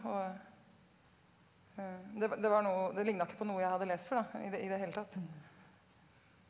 og det var det var noe det ligna ikke på noe jeg hadde lest før da i det i det hele tatt.